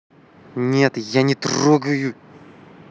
нет я не трогаю